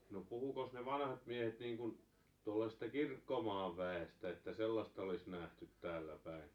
no puhuikos ne vanhat miehet niin kuin tuollaisesta kirkkomaan väestä että sellaista olisi nähty täälläpäin